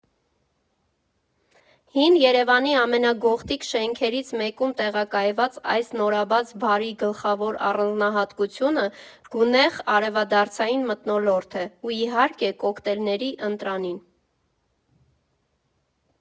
Հին Երևանի ամենագողտրիկ շենքերից մեկում տեղակայված այս նորաբաց բարի գլխավոր առանձնահատկությունը գունեղ, արևադարձային մթնոլորտն է ու, իհարկե, կոկտեյլների ընտրանին։